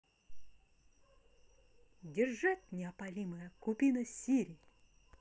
держать неопалимая купина сири